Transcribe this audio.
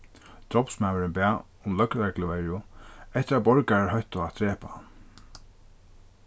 drápsmaðurin bað um løgregluverju eftir at borgarar hóttu at drepa hann